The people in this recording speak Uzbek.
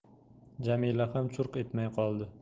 jamila ham churq etmay qoldi